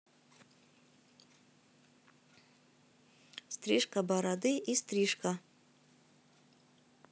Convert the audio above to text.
стрижка бороды и стрижка